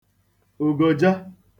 ùgòja